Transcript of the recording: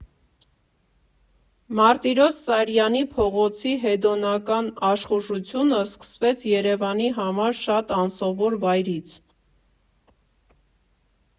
Մարտիրոս Սարյանի փողոցի հեդոնական աշխուժությունը սկսվեց Երևանի համար շատ անսովոր վայրից։